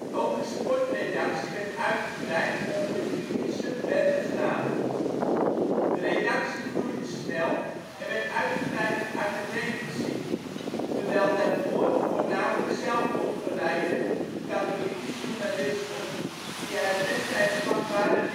Ook de sportredactie werd uitgebreid onder de kritische Ben de Graaf. De redactie groeide snel, en werd uitgebreid met academici, terwijl daarvoor voornamelijk zelfopgeleide, katholieke journalisten via het destijds gangbare